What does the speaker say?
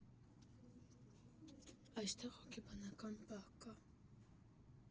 Այստեղ հոգեբանական պահ կա։